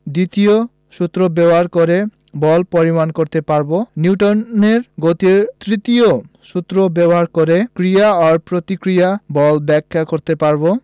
দ্বিতীয় সূত্র ব্যবহার করে বল পরিমাপ করতে পারব নিউটনের গতির তৃতীয় সূত্র ব্যবহার করে ক্রিয়া ও প্রতিক্রিয়া বল ব্যাখ্যা করতে পারব